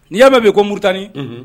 N'i y'a mɛn bi ko Muritani§